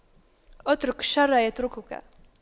اترك الشر يتركك